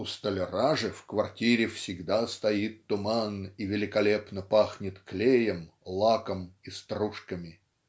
у столяра же в квартире всегда стоит туман и великолепно пахнет клеем лаком и стружками".